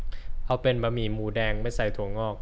เอาเป็นบะหมี่หมูแดงไม่ใส่ถั่วงอก